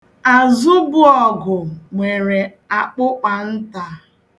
Azụbuọgụ nwere akpụkpanta.